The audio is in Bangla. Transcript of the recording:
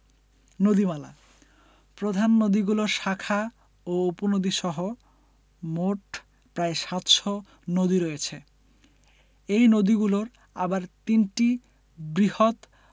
নদীমালাঃ প্রধান নদীগুলোর শাখা ও উপনদীসহ মোট প্রায় ৭০০ নদী রয়েছে এই নদীগুলোর আবার তিনটি বৃহৎ